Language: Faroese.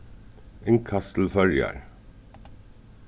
innkast til føroyar